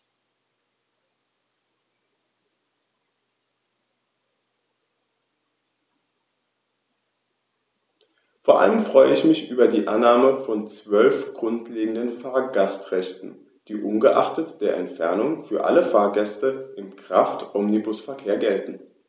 Vor allem freue ich mich über die Annahme von 12 grundlegenden Fahrgastrechten, die ungeachtet der Entfernung für alle Fahrgäste im Kraftomnibusverkehr gelten.